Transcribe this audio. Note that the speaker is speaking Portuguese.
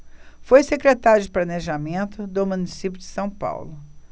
foi secretário de planejamento do município de são paulo